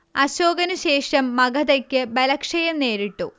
അശോകനുശേഷം മഗധയ്ക്ക് ബലക്ഷയം നേരിട്ടു